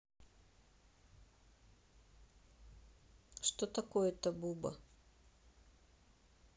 что такое то буба